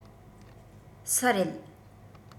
སུ རེད